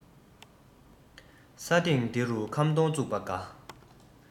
ས སྟེང འདི རུ ཁམ སྡོང བཙུགས པ དགའ